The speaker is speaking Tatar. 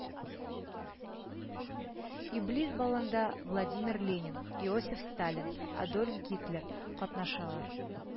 Иблис балында Владимир Ленин, Иосиф Сталин, Адольф Һитлер катнашалар